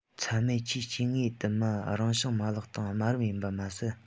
ཚྭ མེད ཆུའི སྐྱེ དངོས དུ མ རང བྱུང མ ལག སྟེང དམའ རིམ ཡིན པ མ ཟད